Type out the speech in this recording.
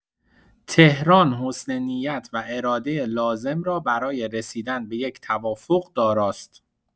تهران حسن نیت و اراده لازم را برای رسیدن به یک توافق داراست.